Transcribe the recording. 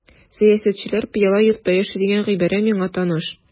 Сәясәтчеләр пыяла йортта яши дигән гыйбарә миңа таныш.